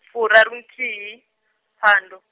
furarunthihi, phando.